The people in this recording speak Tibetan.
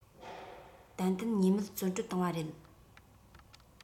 ཏན ཏན ཉེས མེད བཙོན འགྲོལ བཏང བ རེད